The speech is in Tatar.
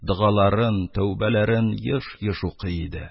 Догаларын, тәүбәләрен еш-еш укый иде.